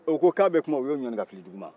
o ko k'a bɛ kuma u y'o ɲɔni k'a fili dugu ma